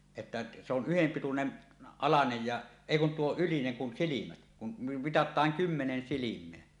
että se on yhdenpituinen alanen ja ei kun tuo ylinen kun silmät kun - mitataan kymmenen silmää